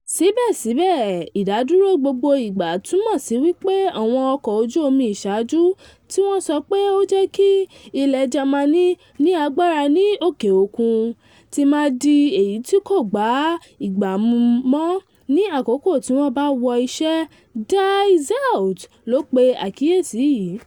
Síbẹ̀síbẹ̀, ìdádúró gbogbo ìgbà túmọ̀ sí wípé àwọn ọkọ̀ ojú omi ìṣaajú - tí wọn sọ pé ó jẹ́ kí ilẹ̀ jámánì ní agbara ní òkè òkun - ti máa di èyí tí kò bá ìgbà mu mọ́ ní àkókò tí wọ́n bá wọ iṣẹ́. Die Zelt ló pe àkíyèsí yìí.